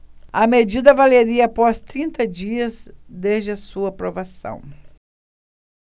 a medida valeria após trinta dias desde a sua aprovação